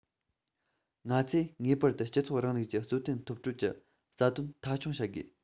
ང ཚོས ངེས པར དུ སྤྱི ཚོགས རིང ལུགས ཀྱི རྩོལ བསྟུན ཐོབ སྤྲོད ཀྱི རྩ དོན མཐའ འཁྱོངས བྱ དགོས